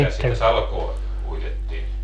milläs sitä salkoa uitettiin